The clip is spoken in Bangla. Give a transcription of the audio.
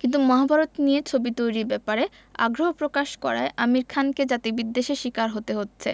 কিন্তু মহাভারত নিয়ে ছবি তৈরির ব্যাপারে আগ্রহ প্রকাশ করায় আমির খানকে জাতিবিদ্বেষের শিকার হতে হচ্ছে